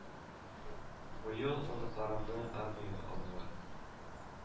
Быел оныкларымны армиягә алдылар